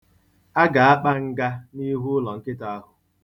A ga-akpa nga n'ihu ụlọ nkịta ahụ.